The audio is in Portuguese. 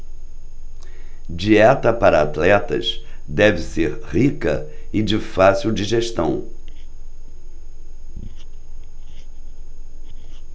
dieta para atletas deve ser rica e de fácil digestão